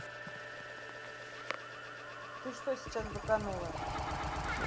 ты что сейчас быканула